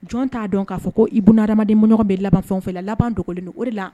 Jɔn t'a dɔn k'a fɔ ko buna hadamadenɲɔgɔn bɛ laban fɛn o fɛn na laban dogolen do o de la